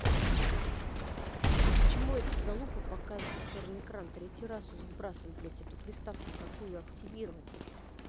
почему эта залупа показывает черный экран третий раз уже сбрасываю блядь эту приставку какую активировать